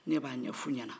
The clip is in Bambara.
ne b'a ɲɛf'u ɲɛna